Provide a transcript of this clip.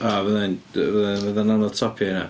O fyddai'n... fydd o'n anodd topio hynna.